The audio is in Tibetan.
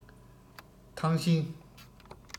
ཐང ཤིང